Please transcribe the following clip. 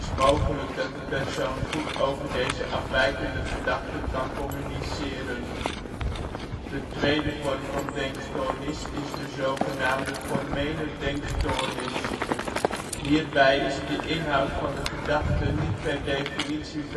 mogelijk dat de persoon goed over deze afwijkende gedachten kan communiceren. De tweede vorm van denkstoornis is de zogenaamde formele denkstoornis. Hierbij is de inhoud van de gedachten niet per definitie